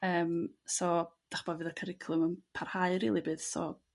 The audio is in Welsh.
Yrm so 'dach 'bo' fydd y cwricwlwm yn parhau rili bydd so